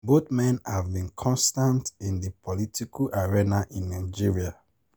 Both men have been constants in the political arena in Nigeria.